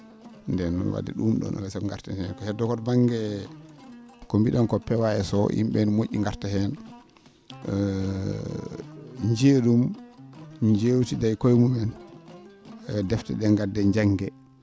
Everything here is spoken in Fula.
ndeen noon wadde ?um ?oon alaa e sago ngarten heen ko heddoo ko to ba?nge ko mbii?en ko POAS ko yim?e ?ee no mo??i ngarta heen njiya ?um njeewtida e koye mumen e defte ?ee ngaddee njangee